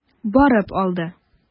Барып алды.